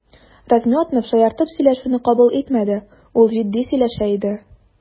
Размётнов шаяртып сөйләшүне кабул итмәде, ул җитди сөйләшә иде.